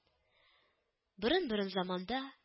Борын-борын заманда